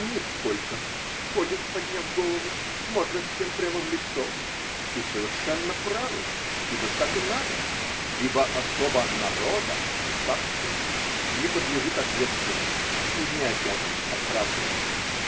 Нисколько: ходят, подняв голову, смотрят всем прямо в лицо, и совершенно правы, ибо так и надо, ибо особа народа царственна, не подлежит ответственности и не обязана оправдываться.